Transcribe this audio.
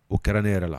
O kɛra ne yɛrɛ la.